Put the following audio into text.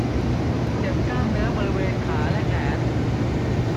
เจ็บกล้ามเนื้อบริเวณขาและแขน